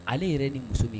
Ale yɛrɛ ni muso bɛ